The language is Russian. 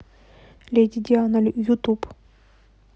леди диана ютуб